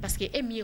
Parce que e min ye